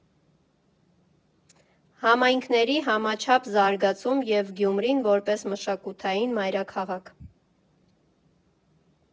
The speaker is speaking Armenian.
Համայնքների համաչափ զարգացում և Գյումրին որպես մշակութային մայրաքաղաք։